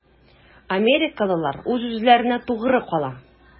Америкалылар үз-үзләренә тугры кала.